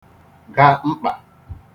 ga mkpà